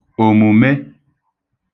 umerē